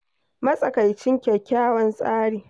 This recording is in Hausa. Matsakaicin kyakkyawan tsari.